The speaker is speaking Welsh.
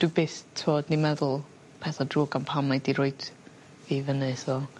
dwi byth t'wod ni'n meddwl petha drwg am pam mae 'di roit fi fyny so